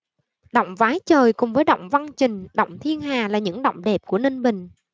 động vái giời cùng với động vân trình động thiên hà là những động đẹp của ninh bình